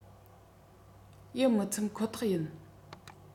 ཡིད མི ཚིམ ཁོ ཐག ཡིན